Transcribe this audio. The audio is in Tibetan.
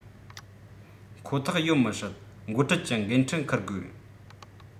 ཁོ ཐག ཡོད མི སྲིད འགོ ཁྲིད ཀྱི འགན འཁྲི འཁུར དགོས